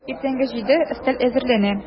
Иртәнге җиде, өстәл әзерләнә.